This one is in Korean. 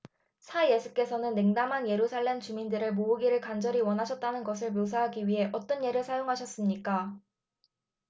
사 예수께서는 냉담한 예루살렘 주민들을 모으기를 간절히 원하셨다는 것을 묘사하기 위해 어떤 예를 사용하셨습니까